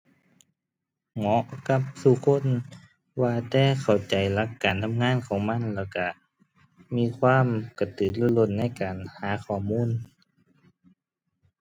เหมาะกับซุคน ว่าแต่เข้าใจหลักการทำงานของมัน แล้วก็มีความกระตือรือร้นในการหาข้อมูล